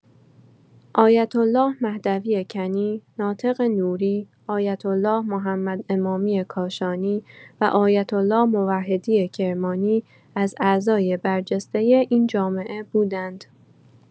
آیت‌الله مهدوی‌کنی، ناطق نوری، آیت‌الله محمد امامی‌کاشانی و آیت‌الله موحدی کرمانی از اعضای برجسته این جامعه بودند.